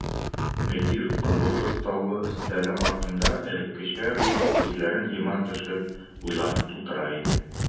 Мөдир кызыл постаулы өстәле артында элеккечә үк күзләрен йома төшеп уйланып утыра иде.